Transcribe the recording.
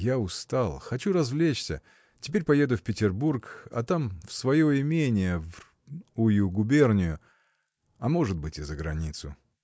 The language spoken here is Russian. я устал, хочу развлечься, теперь поеду в Петербург, а там в свое имение, в Р—ую губернию, а может быть, и за границу.